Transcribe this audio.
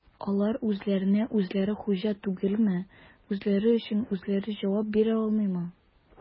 Алар үзләренә-үзләре хуҗа түгелме, үзләре өчен үзләре җавап бирә алмыймы?